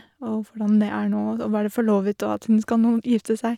Og hvordan det er nå å være forlovet og at hun skal nå gifte seg.